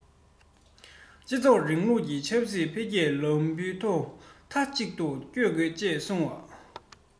སྤྱི ཚོགས རིང ལུགས ཀྱི ཆབ སྲིད འཕེལ རྒྱས ལམ བུའི ཐོག མཐའ གཅིག ཏུ སྐྱོད དགོས ཞེས གསུངས པ